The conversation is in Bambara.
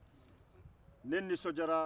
ne nisɔndiyara